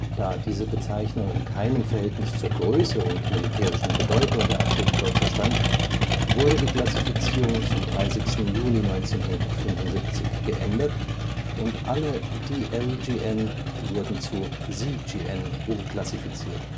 Da diese Bezeichnung in keinem Verhältnis zur Größe und militärischen Bedeutung der Atomkreuzer stand, wurde die Klassifizierung zum 30. Juni 1975 geändert und alle DLGN wurden zu CGN umklassifiziert